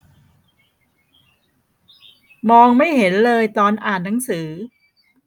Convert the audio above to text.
มองไม่เห็นเลยตอนอ่านหนังสือ